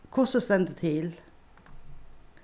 hvussu stendur til